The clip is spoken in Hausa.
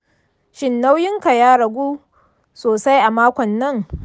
shin nauyinka ka ya ragu sosai a makonnan?